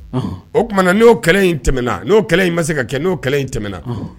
O tumana na n'o in tɛmɛna n'o in bɛ se ka n'o in tɛmɛna